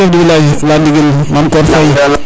e Chef du village leya ndigil